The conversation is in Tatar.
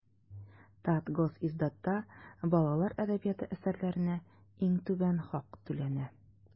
Татгосиздатта балалар әдәбияты әсәрләренә иң түбән хак түләнә.